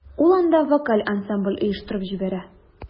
Ул анда вокаль ансамбль оештырып җибәрә.